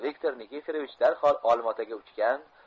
viktor nikiforovich darhol olmaotaga uchgan